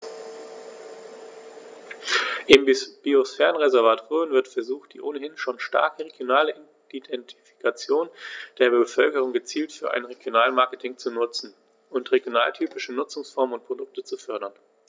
Im Biosphärenreservat Rhön wird versucht, die ohnehin schon starke regionale Identifikation der Bevölkerung gezielt für ein Regionalmarketing zu nutzen und regionaltypische Nutzungsformen und Produkte zu fördern.